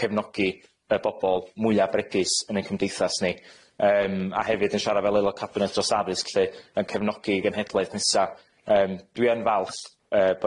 yn drwm iawn o blaid Arfon, ac ma'r aeloda' dwyfor yma ar gyrion Arfon yn ogystal.